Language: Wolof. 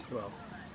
waaw